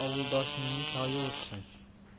ovuldoshingning toyi o'zsin